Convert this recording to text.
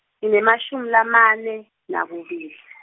nginemashumi lamane, nakubili.